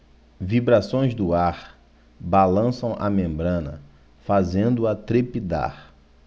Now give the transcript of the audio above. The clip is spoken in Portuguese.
vibrações do ar balançam a membrana fazendo-a trepidar